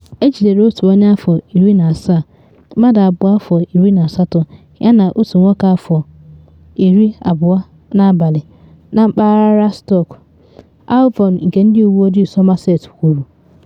Ejidere otu onye afọ 17, mmadụ abụọ afọ 18 yana otu nwoke afọ 20 n’abalị na mpaghara Radstock, Avon nke Ndị Uwe Ojii Somerset kwuru.